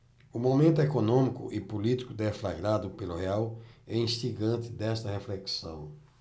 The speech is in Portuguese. o momento econômico e político deflagrado pelo real é instigante desta reflexão